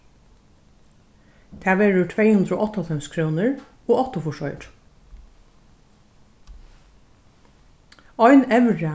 tað verður tvey hundrað og áttaoghálvfems krónur og áttaogfýrs oyru ein evra